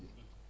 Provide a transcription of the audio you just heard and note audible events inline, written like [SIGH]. [HESITATION] [HESITATION]